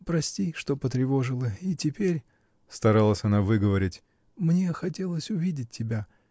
— Прости, что потревожила и теперь, — старалась она выговорить, — мне хотелось увидеть тебя.